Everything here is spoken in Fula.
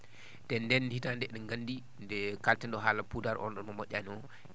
e ndeen hitaannde e?en ganndi nde kalaten haala puudar on ?on mo mo??aani o